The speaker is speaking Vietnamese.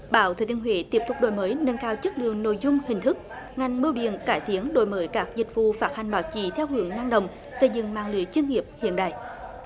báo thừa thiên huế tiếp tục đổi mới nâng cao chất lượng nội dung hình thức ngăn bưu điện cải tiến đổi mới các dịch vụ phát hành bảo trì theo hướng năng động xây dựng mạng lưới chuyên nghiệp hiện đại